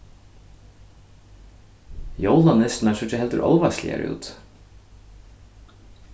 jólanissurnar síggja heldur álvarsligar út